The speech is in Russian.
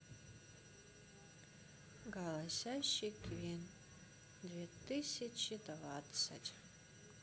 голосящий кивин две тысячи двадцать